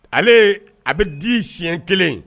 Ale a bɛ di siɲɛ kelen